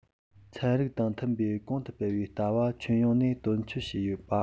ཚན རིག དང མཐུན པའི གོང དུ སྤེལ བའི ལྟ བ ཁྱོན ཡོངས ནས དོན འཁྱོལ བྱེད པ